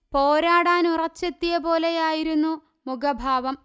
പോരാടാനുറച്ചെത്തിയ പോലെയായിരുന്നു മുഖഭാവം